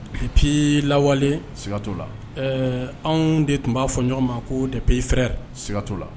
Ipi lawale sigiigakatɔ la anw de tun b'a fɔ ɲɔgɔn ma ko depi i fɛrɛɛrɛ sigiigakatɔ la